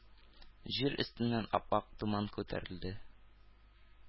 Җир өстеннән ап-ак томан күтәрелде.